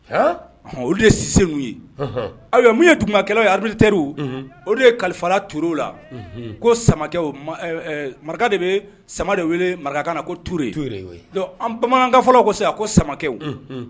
Olu de ye sise' ye min ye tunkɛlaw ye teruru olu ye kalifa t la ko samakɛ maraka de bɛ sama de wele maraka na ko bamanankan fɔlɔ ko se ko samakɛw